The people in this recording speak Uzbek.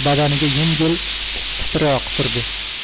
yengil titroq turdi